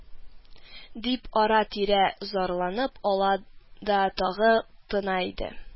– дип, ара-тирә зарланып ала да тагы тына иде